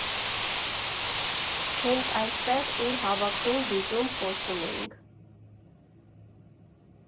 Հենց այստեղ, ուր հավաքվում, վիճում, խոսում էինք։